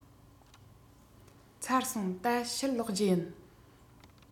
ཚར སོང ད ཕྱིར ལོག རྒྱུ ཡིན